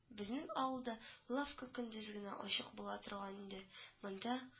Безнең авылда лавка көндез генә ачык була торган иде, монда